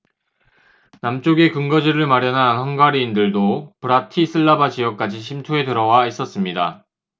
남쪽에 근거지를 마련한 헝가리인들도 브라티슬라바 지역까지 침투해 들어와 있었습니다